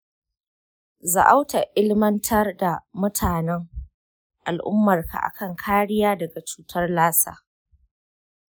za'auta ilmantar da mtanen al'ummarka akan kariya daga cutar lassa.